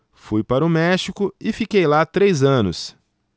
fui para o méxico e fiquei lá três anos